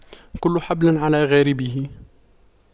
كل حبل على غاربه